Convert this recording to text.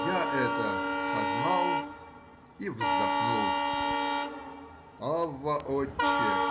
Я это сознал и вздохнул. Авва, отче!